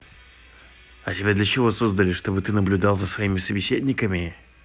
а тебя для чего создали чтобы ты наблюдал за своими собеседниками